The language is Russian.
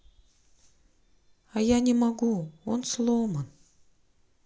а я не могу он сломан